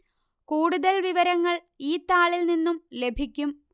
കൂടുതല് വിവരങ്ങള് ഈ താളില് നിന്നു ലഭിക്കും